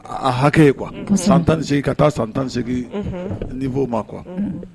A hakɛ qu san tanse ka taa san tanse nin fɔ ma qu